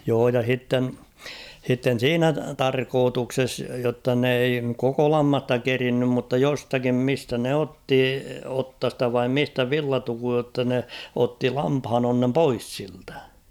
joo ja sitten sitten siinä tarkoituksessa jotta ne ei koko lammasta kerinnyt mutta jostakin mistä ne otti otsasta vai mistä villatukun jotta ne otti lampaanonnen pois siltä